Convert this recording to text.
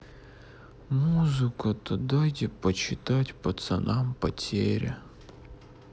музыка то дайте почитать пацанам потеря